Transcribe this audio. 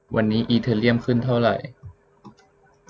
วันนี้อีเธอเรียมขึ้นเท่าไหร่